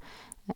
Ja.